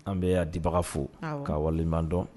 An bɛ'a dibaga fo ka walelenban dɔn